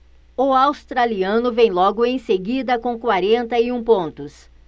o australiano vem logo em seguida com quarenta e um pontos